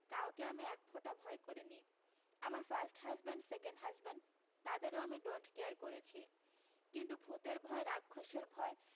কাউকে আমি একফোঁটা ভয় করিনি আমার ফার্স্ট হাজবেণ্ড সেকেন্ড হাজবেণ্ড তাদেরও আমি ডোণ্ট কেয়ার করেছি কিন্তু ভূতের ভয় রাক্ষসের ভয়